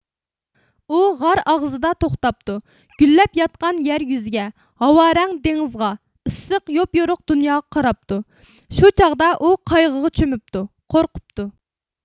ئۇ غار ئاغزىدا توختاپتۇ گۈللەپ ياتقان يەر يۈزىگە ھاۋارەڭ دېڭىزغا ئىسسىق يوپيورۇق دۇنياغا قاراپتۇ شۇ چاغدا ئۇ قايغۇغا چۆمۈپتۇ قورقۇپتۇ